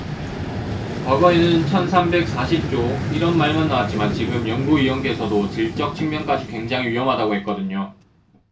과거에는 천 삼백 사십 조 이런 말만 나왔지만 지금 연구위원께서도 질적 측면까지 굉장히 위험하다고 했거든요